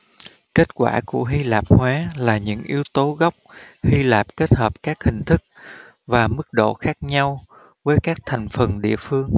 kết quả của hy lạp hóa là những yếu tố gốc hy lạp kết hợp các hình thức và mức độ khác nhau với các thành phần địa phương